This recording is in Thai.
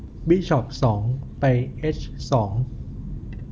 บิชอปสองไปเอชสอง